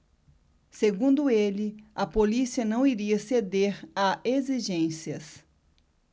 segundo ele a polícia não iria ceder a exigências